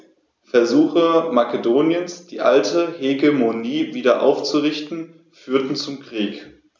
Versuche Makedoniens, die alte Hegemonie wieder aufzurichten, führten zum Krieg.